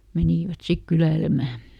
menivät sitten kyläilemään